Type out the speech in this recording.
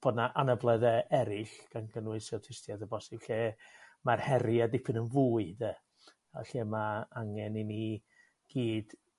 bod 'na anabledde eryll gan gynnwys awtistiaeth o bosib lle ma'r herie dipyn yn fwy ynde a lle ma' angen i ni gyd